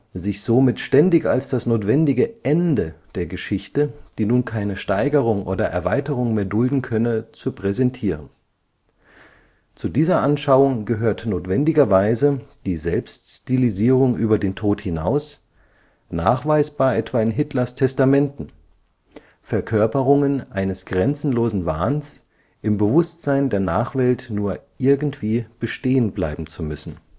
sich somit ständig als das notwendige ‘Ende’ der Geschichte, die nun keine Steigerung oder Erweiterung mehr dulden könne, zu präsentieren […] Zu dieser Anschauung gehört notwendigerweise die Selbststilisierung über den Tod hinaus, nachweisbar etwa in Hitlers Testamenten – Verkörperungen eines grenzenlosen Wahns, im Bewußtein der Nachwelt nur irgendwie bestehen bleiben zu müssen